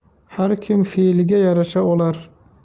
har kim fe'liga yarasha olar